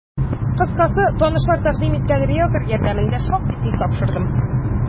Кыскасы, танышлар тәкъдим иткән риелтор ярдәмендә шактый тиз тапшырдым.